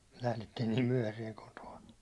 lähdettiin niin myöhään kotoa